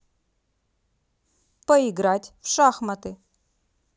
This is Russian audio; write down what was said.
поиграть в шахматы